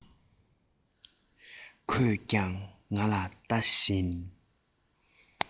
ཁོས ཀྱང ང ལ ལྟ བཞིན